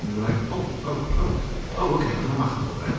And we were like "Oh, oh, oh. Oh, ok. Oedd hwnna bach yn boring.